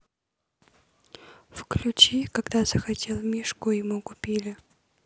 включи когда захотел мишку ему купили